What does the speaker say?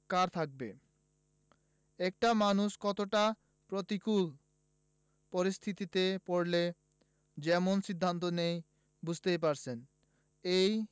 কার থাকবে একটা মানুষ কতটা প্রতিকূল পরিস্থিতিতে পড়লে এমন সিদ্ধান্ত নেয় বুঝতেই পারছেন এই